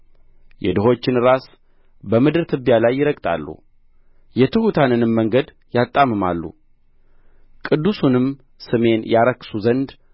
የድሆችን ራስ በምድር ትቢያ ላይ ይረግጣሉ የትሑታንንም መንገድ ያጣምማሉ ቅዱሱንም ስሜን ያረክሱ ዘንድ